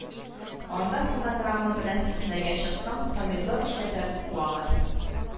Анда фонограмма белән сәхнәгә чыксаң, помидор чәпәп куалар